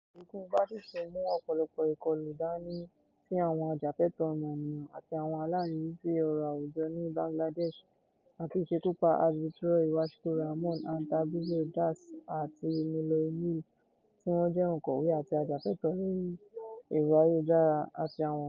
Ikú Bachchu mú ọ̀pọ̀lọpọ̀ ìkọlù dání sí àwọn ajàfẹ́tọ̀ọ́ ọmọniyàn àti àwọn aláríwísí ọ̀rọ̀ àwùjọ ní Bangladesh, àti ìṣekúpa Avijit Roy, Washiqur Rahman, Ananto Bijoy Das and Niloy Neel tí wọ́n jẹ́ oǹkọ̀wé àti ajàfẹ́tọ̀ọ́ lóri ẹ̀rọ ayélujára, àti àwọn míràn.